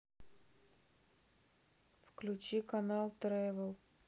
включи канал тревел